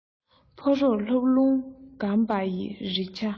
ཕོ རོག ལྷགས རླུང འགམ པ ཡི རེ འཕྱ